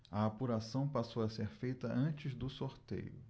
a apuração passou a ser feita antes do sorteio